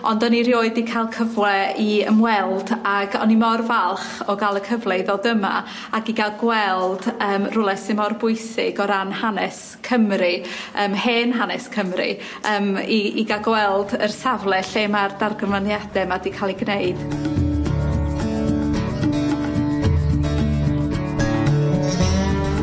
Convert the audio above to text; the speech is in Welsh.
ond o'n i rioed 'di cael cyfle i ymweld ag o'n i mor falch o ga'l y cyfle i ddod yma ac i ga'l gweld yym rywle sy mor bwysig o ran hanes Cymru yym hen hanes Cymru yym i i ga'l gweld yr safle lle ma'r dargyfaniade 'ma 'di ca'l 'u gneud.